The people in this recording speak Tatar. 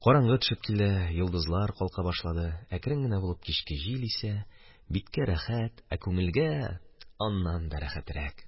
Караңгы төшеп килә, йолдызлар калка башладылар, әкрен генә булып кичке җил исә, биткә рәхәт, ә күңелгә аннан дә рәхәтрәк.